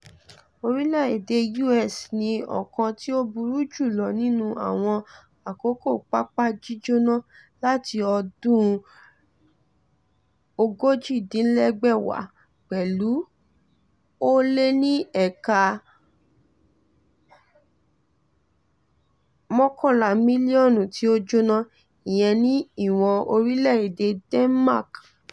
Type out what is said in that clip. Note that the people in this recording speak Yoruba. Orílè-èdè US ní ọ̀kan tí ó burú jù lọ nínú àwọn àkókò pápá jíjónà láti ọdún 1960, pẹ̀lú ó lé ní éékà 11 mílíọ̀nù tí ó jóná (ìyẹn ní ìwọ̀n orílẹ̀ èdè Denmark).